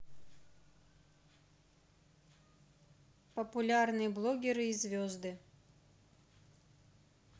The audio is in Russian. популярные блогеры и звезды